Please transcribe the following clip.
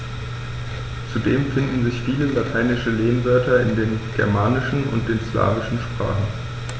Zudem finden sich viele lateinische Lehnwörter in den germanischen und den slawischen Sprachen.